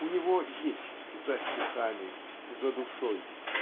У него есть за стихами, за душой.